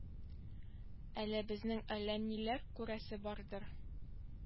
Әле безнең әллә ниләр күрәсе бардыр